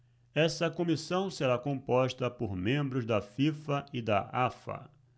essa comissão será composta por membros da fifa e da afa